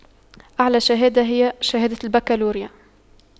أعلى شهادة هي شهادة البكالوريا